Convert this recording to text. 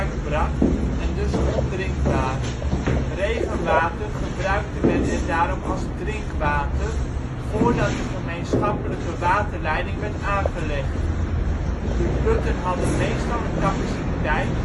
brak, en dus ondrinkbaar. Regenwater gebruikte men er daarom als drinkwater voordat de gemeenschappelijke waterleiding werd aangelegd. De putten hadden meestal een capaciteit van 300-500